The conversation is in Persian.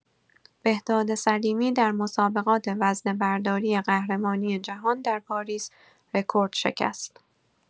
بهداد سلیمی در مسابقات وزنه‌برداری قهرمانی جهان در پاریس رکورد شکست.